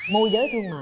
môi giới thương mại